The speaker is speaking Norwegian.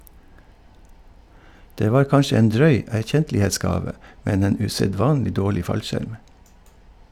Det var kanskje en drøy erkjentlighetsgave, men en usedvanlig dårlig fallskjerm.